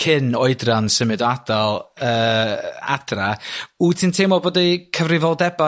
cyn oedran symud o adael yy adra wti'n teimlo bod y cyfrifodeba' yna